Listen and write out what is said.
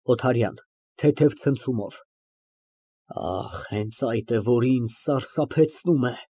ՕԹԱՐՅԱՆ ֊ (Թեթև ցնցումով)։ Ահ, հենց այդ է, որ ինձ սարսափեցնում է։